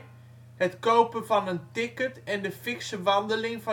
kopen van een ticket en de fikse wandeling